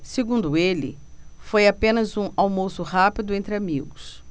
segundo ele foi apenas um almoço rápido entre amigos